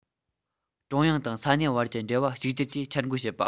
ཀྲུང དབྱང དང ས གནས བར གྱི འབྲེལ བ གཅིག གྱུར གྱིས འཆར འགོད བྱེད པ